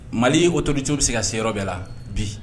Mali autorité w be se ka se yɔrɔ bɛɛ la bi